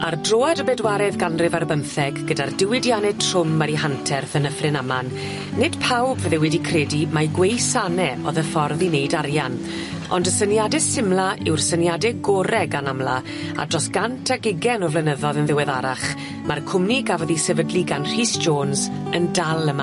Ar droad y bedwaredd ganrif ar bymtheg gyda'r diwydianne trwm ar 'u hanterth yn Nyffryn Aman nid pawb fydde wedi credu mai gweu sanne o'dd y ffordd i neud arian ond y syniade symla yw'r syniade gor'e gan amla a dros gant ag ugen o flynyddodd yn ddiweddarach ma'r cwmni gafodd 'i sefydlu gan Rhys Jones yn dal yma.